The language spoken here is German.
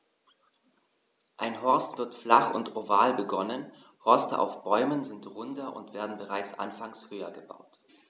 Ein Horst wird flach und oval begonnen, Horste auf Bäumen sind runder und werden bereits anfangs höher gebaut.